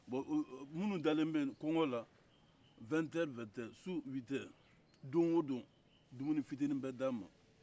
bon o-o minnu dalen be yen kɔgɔn la vɛtɛri-vɛtɛri su witɛri don o don dumini fitini bɛ d'aw ma